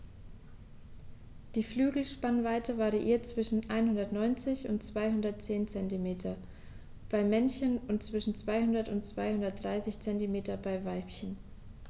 Die Flügelspannweite variiert zwischen 190 und 210 cm beim Männchen und zwischen 200 und 230 cm beim Weibchen.